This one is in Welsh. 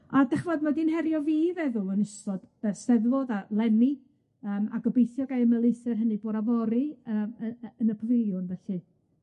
A 'dach ch'mod ma' di'n herio fi i feddwl yn ystod y 'Steddfod a leni yym a gobeithio gai ymelaethu ar hynny bora fory yym yy yy yn y pafiliwn felly.